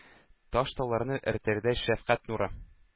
Таш-тауларны эретердәй шәфкать нуры